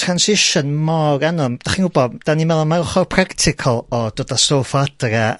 transition mor 'dach chi'n wbo 'dyn ni me'wl am yr ochor practical o dod â stwff o adre